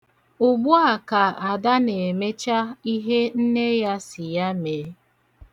Ugbu a ka Ada na-emecha ihe nne ya sị ya mee.